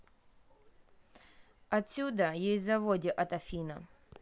отсюда есть заводи от афина